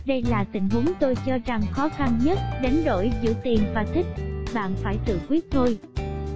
đây là tình huống tôi cho rằng khó khăn nhất đánh đổi giữa tiền và thích bạn phải tự quyết thôi